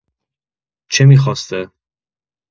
چه می‌خواسته؟